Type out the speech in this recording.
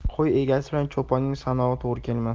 qo'y egasi bilan cho'ponning sanog'i to'g'ri kelmas